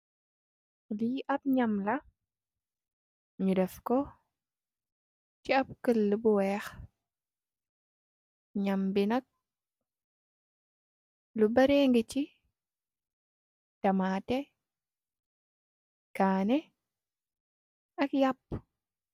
Lii ab ñam la, ñu def ko si ab këlë bu weex..Ñam bi nak lu bërëë ngi ci:Tamaate, kaane, ak yaapu.